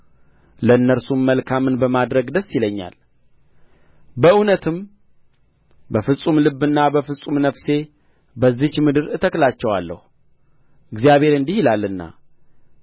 ለእነርሱም መልካምን በማድረግ ደስ ይለኛል በእውነትም በፍጹም ልቤና በፍጹም ነፍሴ በዚህች ምድር እተክላቸዋለሁ እግዚአብሔር እንዲህ ይላልና